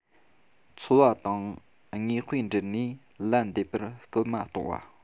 འཚོ བ དང དཔེ དངོས འབྲེལ ནས ལན འདེབས པར སྐུལ མ གཏོང བ